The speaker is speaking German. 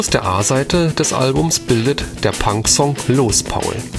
der A-Seite des Albums bildet der Punksong Los Paul